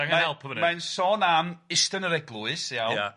Mae'n sôn am ista'n yr eglwys, iawn? Ia.